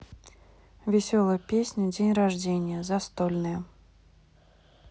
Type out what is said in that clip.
веселая песня день рождения застольные